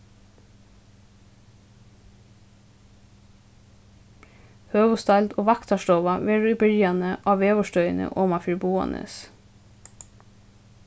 høvuðsdeild og vaktarstova verður í byrjanini á veðurstøðini oman fyri boðanes